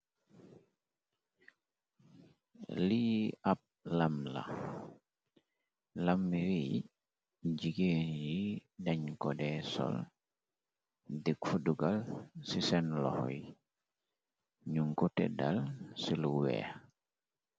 Li ab lam la, lam bu yi, jigéen yi dèn ko dè sol, diko dugal ci senn loho yi nung ko tëdal ci lo weeh.